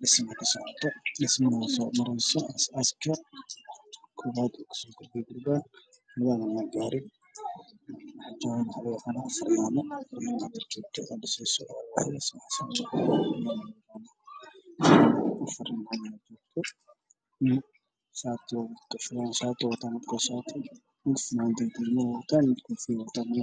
meshaan wxaa ka muuqdo darbi ay